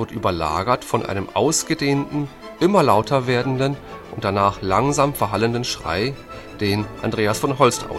überlagert von einem ausgedehnten, immer lauter werdenden und danach langsam verhallenden Schrei, den Andreas von Holst